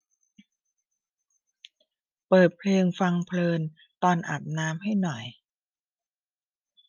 เปิดเพลงฟังเพลินตอนอาบน้ำให้หน่อย